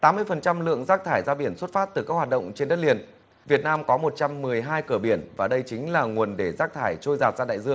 tám mươi phần trăm lượng rác thải ra biển xuất phát từ các hoạt động trên đất liền việt nam có một trăm mười hai cửa biển và đây chính là nguồn để rác thải trôi dạt ra đại dương